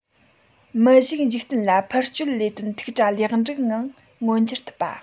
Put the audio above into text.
མི བཞུགས འཇིག རྟེན ལ འཕུར སྐྱོད ལས དོན ཐུགས གྲ ལེགས འགྲིག ངང མངོན འགྱུར ཐུབ པ